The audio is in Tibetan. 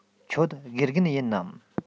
ཁྱོད དགེ རྒན ཡིན ནམ